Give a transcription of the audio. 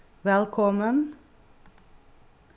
vælkomin